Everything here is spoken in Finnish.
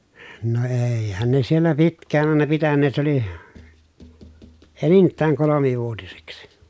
no eihän ne siellä pitkään aina pitäneet se oli enintään kolmivuotiseksi